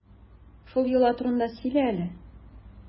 Шул йола турында сөйлә әле.